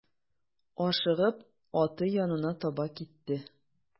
Ашыгып аты янына таба китте.